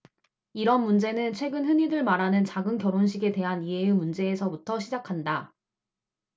이런 문제는 최근 흔히들 말하는 작은 결혼식에 대한 이해의 문제에서부터 시작한다